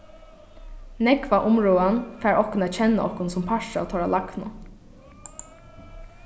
nógva umrøðan fær okkum at kenna okkum sum partur av teirra lagnu